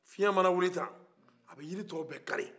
fiɲɛ mana wili tan a bɛ yiri tɔ bɛɛ kari